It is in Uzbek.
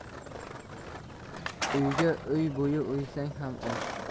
uyga uy bo'yi uysang ham oz